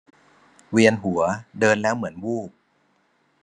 เวียนหัวเดินแล้วเหมือนวูบ